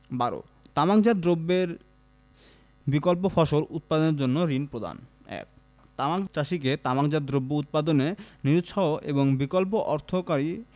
১২ তামাকজাত দ্রব্যের বিকল্প ফসল উৎপাদনের জন্য ঋণ প্রদানঃ ১ তামাক চাষীকে তামাকজাত দ্রব্য উৎপাদনে নিরুৎসাহ এবং বিকল্প অর্থকরী